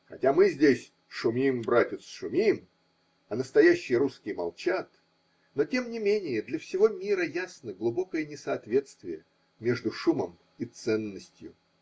Хотя мы здесь шумим, братец, шумим, а настоящие русские молчат, но тем не менее для всего мира ясно глубокое несоответствие между шумом и ценностью.